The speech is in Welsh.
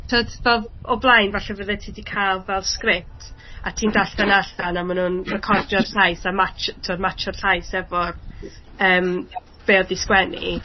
Tibod, fel o blaen falle fydde ti 'di cael fel script, a ti'n darllen e allan, a maen nhw'n recordio'r llais a mats-, tibod, matsio'r llais efo'r, yym, be oedd 'di sgwennu.